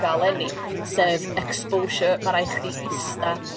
...ga'l leni sef exposure ma' raid chdi ista